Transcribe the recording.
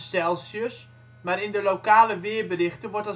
40 °C, maar in de lokale weerberichten wordt